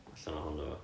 allan ohono fo.